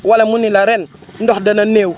wala mu ne la ren ndox dana néew